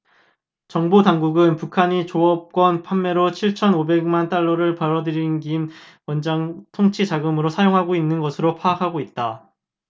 정보당국은 북한이 조업권 판매로 칠천 오백 만 달러를 벌어들여 김 위원장의 통치자금으로 사용하고 있는 것으로 파악하고 있다